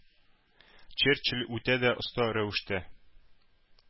Черчилль үтә дә оста рәвештә